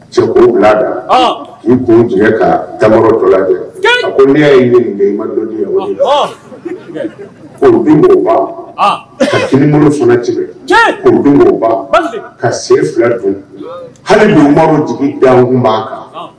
Cɛ bila da i bon tigɛ ka tamatɔla ko n'i ye min i ma dɔnbi makoba ka finibolo fana tigɛbi mɔgɔwba ka sen fila hali jigin da tun' kan